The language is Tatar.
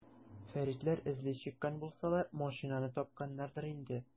Фәритләр эзли чыккан булсалар, машинаны тапканнардыр инде.